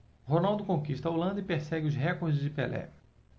ronaldo conquista a holanda e persegue os recordes de pelé